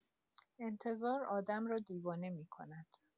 انتظار آدم را دیوانه می‌کند.